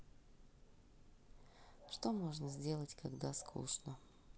что можно сделать когда скучно